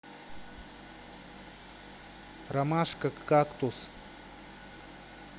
ромашка кактус